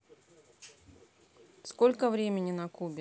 сколько времени на кубе